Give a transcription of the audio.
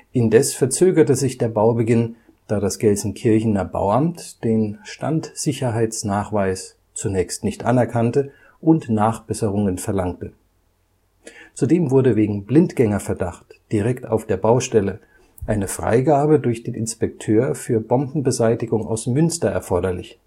Indes verzögerte sich der Baubeginn, da das Gelsenkirchener Bauamt den Standsicherheitsnachweis zunächst nicht anerkannte und Nachbesserungen verlangte. Zudem wurde wegen Blindgängerverdacht direkt auf der Baustelle eine Freigabe durch den Inspekteur für Bombenbeseitigung aus Münster erforderlich